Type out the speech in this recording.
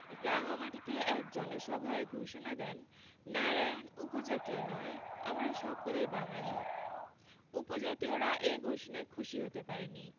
রাঙামাটিতে এক জনসভায় ঘোষণা দেন নারায়ণ উপজাতীয় নয় আমরা সকলেই বাঙালি উপজাতয়িরা এ ঘোষণায় খুশী হতে পারেনি